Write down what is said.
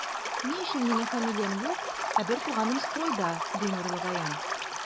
Ни өчен минем фамилиям юк, ә бертуганым стройда, ди Нурлыгаян.